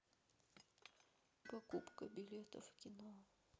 покупка билета в кино